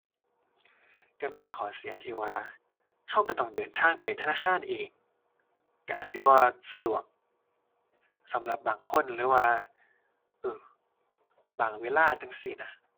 ก็มีข้อเสียที่ว่า ก็ก็ต้องเดินทางไปธนาคารเอง ก็อาจสิบ่สะดวกสำหรับบางคน หรือว่า เอ้อ บางเวลาจั่งซี้น่ะ